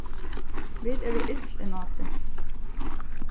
vit eru ill inn á teg